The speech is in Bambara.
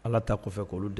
Ala ta kɔfɛ k'olu d